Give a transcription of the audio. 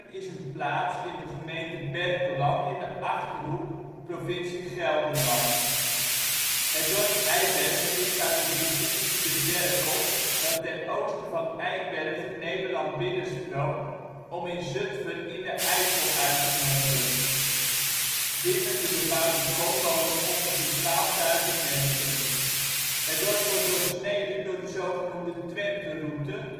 is een plaats in de gemeente Berkelland in de Achterhoek, provincie Gelderland. Het dorp Eibergen ligt aan het riviertje de Berkel, dat ten oosten van Eibergen Nederland binnenstroomt om in Zutphen in de IJssel uit te monden. Binnen de bebouwde kom wonen ongeveer 12.000 mensen. Het dorp wordt doorsneden door de zogenoemde " Twenteroute